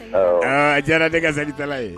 Awɔ; Awɔ a diyara ne ka sac tala ye.